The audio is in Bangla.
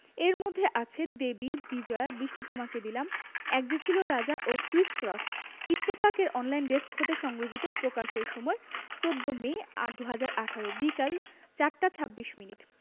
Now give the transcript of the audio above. এর মধ্যে আছে দেবী বিজয়া বৃষ্টি তোমাকে দিলাম এক যে ছিল রাজা ও ক্রিস ক্রস ইত্তেফাক এর অনলাইন ডেস্ক হতে সংগৃহীত প্রকাশের সময় ১৪মে ২০১৮ বিকেল ৪টা ২৬ মিনিট